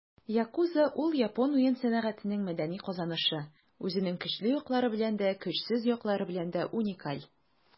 Yakuza - ул япон уен сәнәгатенең мәдәни казанышы, үзенең көчле яклары белән дә, көчсез яклары белән дә уникаль.